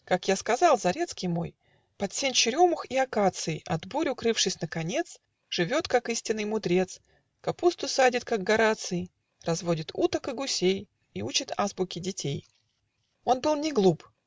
Как я сказал, Зарецкий мой, Под сень черемух и акаций От бурь укрывшись наконец, Живет, как истинный мудрец, Капусту садит, как Гораций, Разводит уток и гусей И учит азбуке детей. Он был не глуп